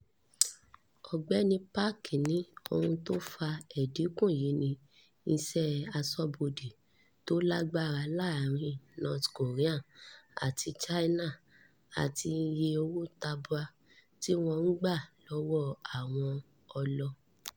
Ọ̀gbẹ́ni Park ni ohun tó fa ẹ̀dínkù yí ni iṣẹ́ aṣọ́bodè tó lágbára láàrin North Korea àti China. Àti iye owó tabua tí wọ́n ń gbà lọ́wọ́ àwọn olo.